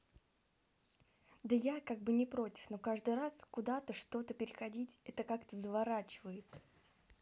да я как бы не против но каждый раз куда то что то переходить это как то заворачивает